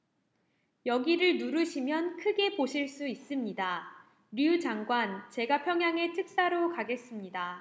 여기를 누르시면 크게 보실 수 있습니다 류 장관 제가 평양에 특사로 가겠습니다